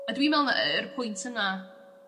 A dwi me'wl y y y'r pwynt yna